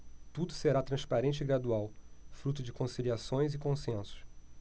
tudo será transparente e gradual fruto de conciliações e consensos